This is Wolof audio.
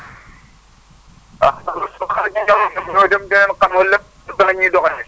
jaww ji ñooy dem di leen xamal lépp si ni ñuy doxalee